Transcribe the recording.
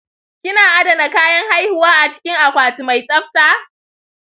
kina adana kayan haihuwa a cikin akwati mai tsafta?